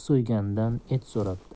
so'ygandan et so'rabdi